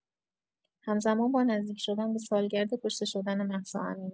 هم‌زمان با نزدیک‌شدن به سالگرد کشته شدن مهسا امینی